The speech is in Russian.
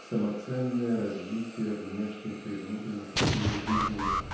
самоценное развитие внешних и внутренних условий жизни